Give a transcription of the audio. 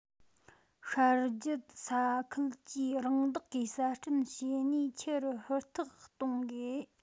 ཤར རྒྱུད ས ཁུལ གྱིས རང བདག གིས གསར སྐྲུན བྱེད ནུས ཆེ རུ ཧུར ཐག གཏོང དགོས